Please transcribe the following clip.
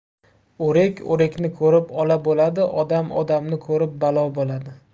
o'rik o'rikni ko'rib ola bo'ladi odam odamni ko'rib balo bo'ladi